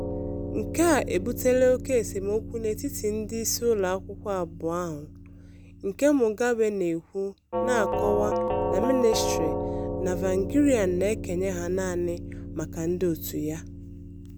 Nke a ebutela oké esemokwu n'etiti ndị isi ụlọakwụkwọ abụọ ahụ, nke Mugabe na-ekwu na ọ na-akọwa ministrị na Tsvangirai na-ekenye ha naanị maka ndị òtù ya.